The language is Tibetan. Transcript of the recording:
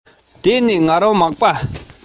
ད དུང ཀོ བ སོགས ལས གྲུབ པའི